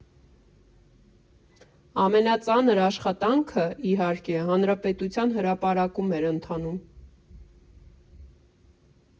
Ամենածանր աշխատանքը, իհարկե, Հանրապետության հրապարակում էր ընթանում։